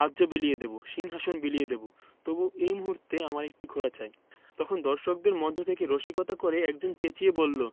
রাজ্য বিলিয়ে দেবো সিংহাশন বিলিয়ে দেবো তবু এই মুহূর্তে আমার একটি ঘোড়া চাই – তখন দর্শকদের মধ্য থেকে রসিকতা করে একজন চেঁচিয়ে বললো